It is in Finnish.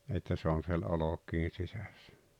että se on siellä olkien sisässä